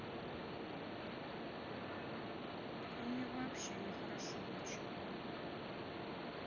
а мне вообще нехорошо ничего